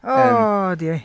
O Duw!